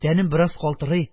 Тәнем бераз калтырый,